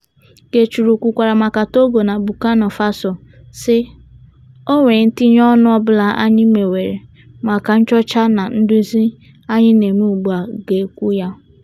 Gicheru kwukwara maka Togo na Burkina Faso, sị, o nwere ntinye ọnụ ọbụla anyị mewere maka nchọcha na nduzi anyị na-eme ugbua ga ekwu ya.